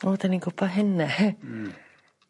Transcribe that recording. O 'dyn ni'n gwpo hynna . Hmm.